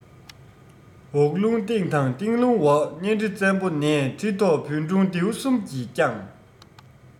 འོག རླུང སྟེང དང སྟེང རླུང འོག གཉའ ཁྲི བཙན པོ ནས ཁྲི ཐོག བོན སྒྲུང ལྡེའུ གསུམ གྱིས བསྐྱངས